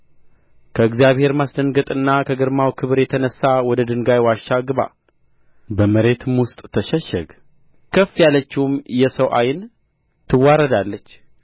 ከእግዚአብሔር ማስደንገጥና ከግርማው ክብር የተነሣ ወደ ድንጋይ ዋሻ ግባ በመሬትም ውስጥ ተሸሸግ ከፍ ያለችውም የሰው ዓይን ትዋረዳለች